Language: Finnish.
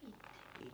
itse